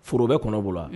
Foro bɛ kɔnɔ bolo a